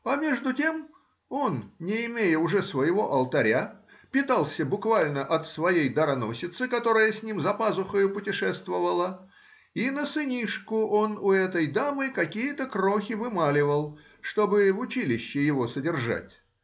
А между тем он, не имея уже своего алтаря, питался буквально от своей дароносицы, которая с ним за пазухою путешествовала, и на сынишку он у этой дамы какие-то крохи вымаливал, чтобы в училище его содержать.